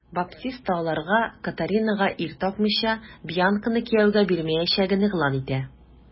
Баптиста аларга, Катаринага ир тапмыйча, Бьянканы кияүгә бирмәячәген игълан итә.